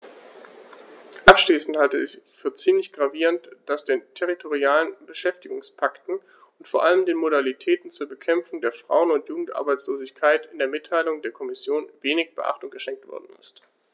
Abschließend halte ich es für ziemlich gravierend, dass den territorialen Beschäftigungspakten und vor allem den Modalitäten zur Bekämpfung der Frauen- und Jugendarbeitslosigkeit in der Mitteilung der Kommission wenig Beachtung geschenkt worden ist.